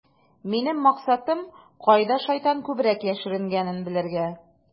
Минем максатым - кайда шайтан күбрәк яшеренгәнен белергә.